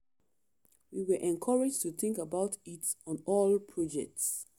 “We were encouraged to think about it on all projects.